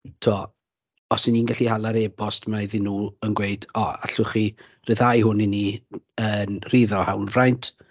Tibod os 'y ni'n gallu hala'r ebost 'ma iddyn nhw yn gweud, "o allwch chi ryddhau hwn i ni yn rydd o hawlfraint?".